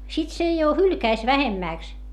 sitten se jo hylkäisi vähemmäksi